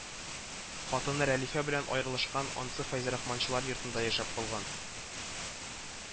Хатыны Рәлифә белән аерылышкан, анысы фәйзрахманчылар йортында яшәп калган